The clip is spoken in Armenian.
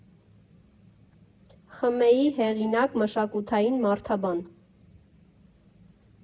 ԽՄԷ֊ի հեղինակ, մշակութային մարդաբան։